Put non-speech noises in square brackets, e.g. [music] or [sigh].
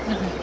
[hesitation] [hesitation]